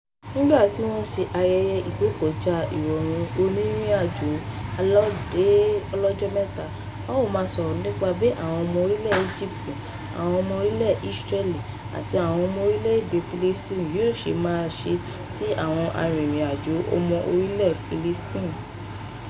Nígbà tí wọ́n ń ṣe ayẹyẹ ìkógojá ìrọ̀rùn òní ìrìn àjò àlọdé ọlọ́jọ́ mẹ́ta, a ó maa sọ̀rọ̀ nípa bí àwọn ọmọ orílẹ̀ èdè Egypt, àwọn ọmọ orílẹ̀ and Israel àti àwọn ọmọ orílẹ̀ èdè Palestine yóò ṣe máa ṣe sí àwọn arìnrìn-àjò ọmọ orílẹ̀ èdè Palestine.